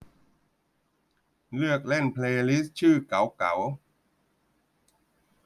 เลือกเล่นเพลย์ลิสต์ชื่อเก๋าเก๋า